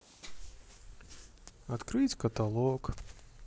открыть каталог